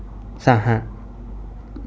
สห